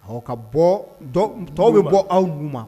Awɔ ka bɔ tɔw bɛ bɔ aw nu ma